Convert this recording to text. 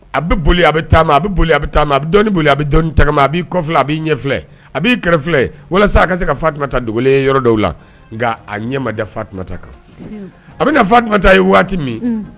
A bɛ boli , a bɛ boli, a bɛ dɔnni boli a bɛ dɔnni tagama, a b'i kɔ filɛ, a bɛ i ɲɛ filɛ, a b'i kɛrɛ filɛ, walasa a ka se ka Fatumata dɔgɔlen ye yɔrɔ dɔw la, nka a ɲɛ ma da Fatumata kan , a bɛna Faatumata ye waati min